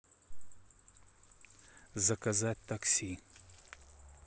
заказать такси